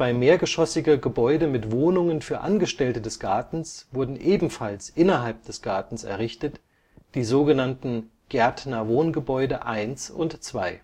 mehrgeschossige Gebäude mit Wohnungen für Angestellte des Gartens wurden ebenfalls innerhalb des Gartens errichtet, die sogenannten Gärtnerwohngebäude I und II